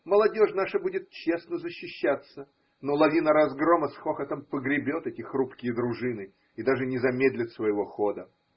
Молодежь наша будет честно защищаться, но лавина разгрома с хохотом погребет эти хрупкие дружины и даже не замедлит своего хода.